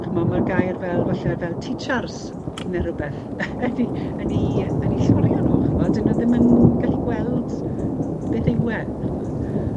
ch'mo' ma'r gair fel falle fel teachars ne' rwbeth yn 'u yn 'u yn 'u llorio nw ch'mod 'dyn nw ddim yn gallu gweld beth yw e ch'mod.